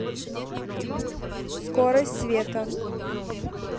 скорость света